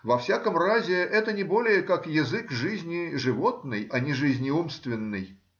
Во всяком разе это не более как язык жизни животной, а не жизни умственной